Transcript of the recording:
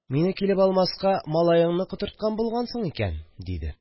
– мине килеп алмаска малаеңны котырткан булгансың икән, – диде